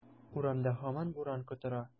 Урамда һаман буран котыра.